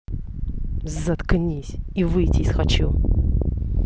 заткнись и выйти из хочу